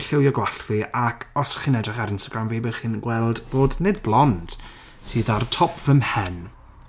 Lliwio gwallt fi ac os chi'n edrych ar Instagram fi, newch chi weld bod nid blond sydd ar top fy mhen...